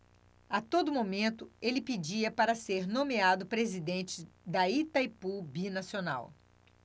a todo momento ele pedia para ser nomeado presidente de itaipu binacional